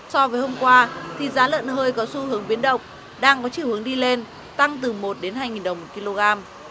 so với hôm qua thì giá lợn hơi có xu hướng biến động đang có chiều hướng đi lên tăng từ một đến hai nghìn đồng một ki lô gam